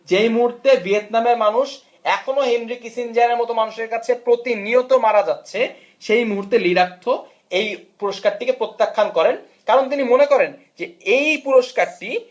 যে মুহুর্তে ভিয়েতনামে মানুষ এখনো হেনরি কিসিঞ্জার এর মত মানুষের কাছে প্রতিনিয়ত মারা যাচ্ছে সেই মুহূর্তে লি ডাক থো এই পুরস্কারটি কে প্রত্যাখ্যান করেন কারণ তিনি মনে করেন যে এই পুরস্কারটি